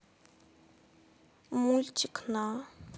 мультик на